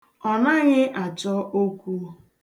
Ọ naghị achọ okwu.